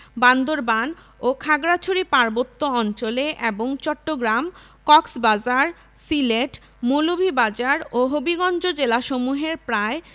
বান্দরবান ও খাগড়াছড়ি পার্বত্য অঞ্চলে এবং চট্টগ্রাম কক্সবাজার সিলেট মৌলভীবাজার ও হবিগঞ্জ জেলাসমূহের প্রায়